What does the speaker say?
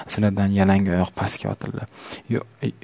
zinadan yalang oyoq pastga otildi